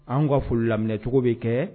An ka foli laminɛcogo bɛ kɛ